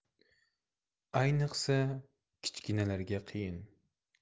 ayniqsa kichkinalarga qiyin